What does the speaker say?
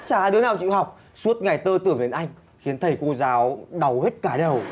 chả đứa nào chịu học suốt ngày tơ tưởng đến anh khiến thầy cô giáo đau hết cả đầu